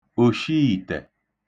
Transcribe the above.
òshiìtẹ̀